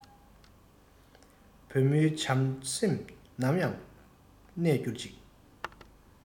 བོད མིའི བྱང སེམས ནམ ཡང གནས འགྱུར ཅིག